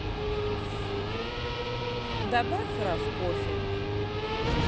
добавь раф кофе